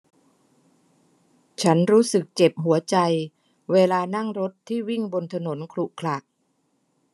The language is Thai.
ฉันรู้สึกเจ็บหัวใจเวลานั่งรถที่วิ่งบนถนนขรุขระ